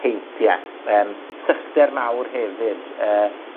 heintie, yym, sychder mawr hefyd, yy